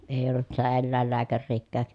ei ollut sitä eläinlääkäriäkään